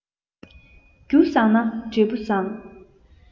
རྒྱུ བཟང ན འབྲས བུ བཟང